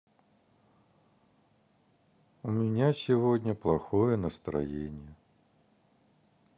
у меня сегодня плохое настроение